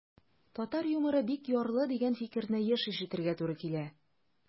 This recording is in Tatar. Татар юморы бик ярлы, дигән фикерне еш ишетергә туры килә.